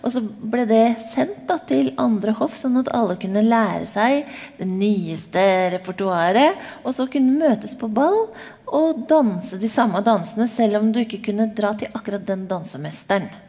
også ble det sendt da til andre hoff sånn at alle kunne lære seg det nyeste repertoaret, og så kunne møtes på ball og danse de samme dansene selv om du ikke kunne dra til akkurat den dansemesteren.